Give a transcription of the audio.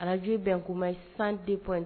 Radio ye Benkuma ye 102.